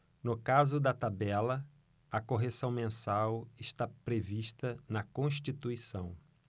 no caso da tabela a correção mensal está prevista na constituição